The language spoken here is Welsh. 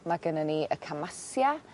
ma' gynnon ni y camassia